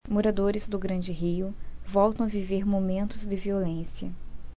moradores do grande rio voltam a viver momentos de violência